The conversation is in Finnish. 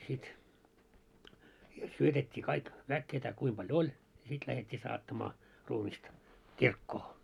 sitten siellä syötettiin kaikki väki ketä kuinka paljon oli ja sitten lähdettiin saattamaan ruumista kirkkoon